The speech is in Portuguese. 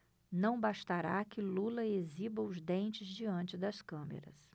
não bastará que lula exiba os dentes diante das câmeras